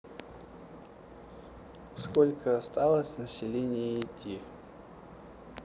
сколько осталось население идти